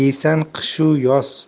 yeysan qish u yoz